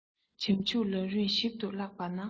བྱང ཆུབ ལམ རིམ ཞིབ ཏུ བཀླགས པ ན